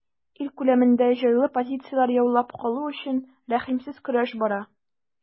Ил күләмендә җайлы позицияләр яулап калу өчен рәхимсез көрәш бара.